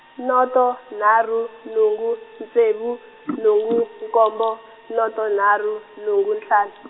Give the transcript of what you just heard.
noto nharhu nhungu ntsevu nhungu nkombo noto nharhu nhungu ntlhan- .